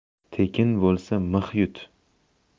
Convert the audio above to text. tekin bo'lsa mix yut